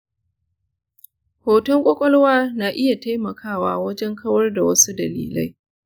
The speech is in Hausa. hoton kwakwalwa na iya taimakawa wajen kawar da wasu dalilai.